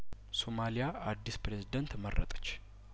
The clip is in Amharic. ሱማሊያ አዲስ ፕሬዝዳንት መረጠች